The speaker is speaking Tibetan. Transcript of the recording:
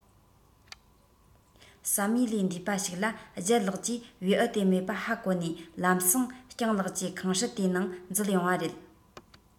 བསམ ཡུལ ལས འདས པ ཞིག ལ ལྗད ལགས ཀྱིས བེའུ དེ མེད པ ཧ གོ ནས ལམ སེང སྤྱང ལགས ཀྱི ཁང ཧྲུལ དེའི ནང འཛུལ ཡོང བ རེད